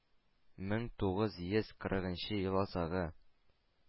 Мен тугыз йөз кырыгынчы ел азагы.